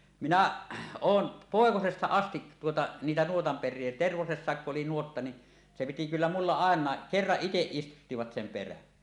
minä olen poikasesta asti tuota niitä nuotanperiä Tervosessakin kun oli nuotta niin se piti kyllä minulla ainakin kerran itse istuttivat sen perän